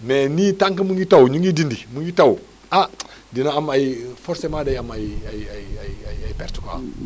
mais nii tant que mu ngi taw ñu ngi dindi mu ngi taw ah dina am ay forcément day am ay ay ay ay ay ay ay pertement